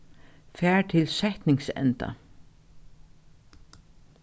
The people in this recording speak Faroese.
far til setningsenda